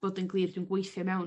bod yn glir dwi'n gweithio mewn